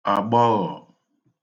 àgbọghọ̀